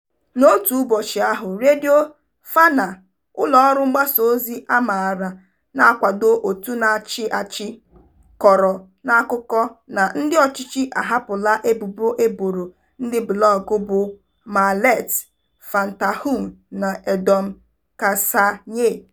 N'otu ụbọchị ahụ Radio FANA, ụlọọrụ mgbasaozi a maara na-akwado òtù na-achị achị, kọrọ n'akụkọ na ndị ọchịchị ahapụla ebubo e boro ndị blọọgụ bụ Mahlet Fantahun na Edom Kassaye.